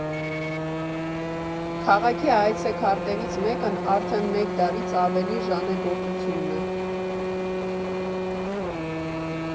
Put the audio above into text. Քաղաքի այցեքարտերից մեկն արդեն մեկ դարից ավելի ժանեկագործությունն է։